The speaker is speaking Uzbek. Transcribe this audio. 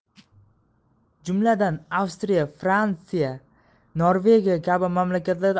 jumladan avstriya frantsiya norvegiya kabi mamlakatlarda